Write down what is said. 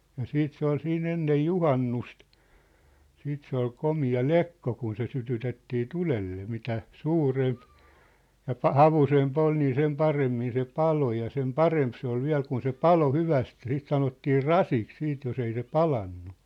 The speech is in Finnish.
ja sitten se oli siinä ennen juhannusta sitten se oli komea lekko kun se sytytettiin tulelle mitä suurempi ja - havuisempi oli niin sen paremmin se paloi ja sen parempi se oli vielä kun se paloi hyvästi ja sitten sanottiin rasiksi sitten jos ei se palanut